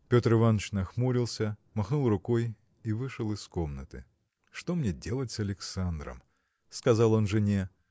Петр Иваныч нахмурился, махнул рукой и вышел из комнаты. – Что мне делать с Александром? – сказал он жене.